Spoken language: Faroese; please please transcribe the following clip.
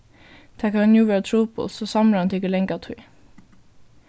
tað kann jú vera trupult so samrøðan tekur langa tíð